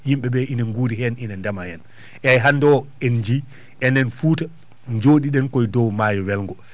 yimɓe ɓe ene nguuri heen ine ndema heen eeyi hannde o en njiyii enen Fouta jooɗi ɗen koy dow maayo welngo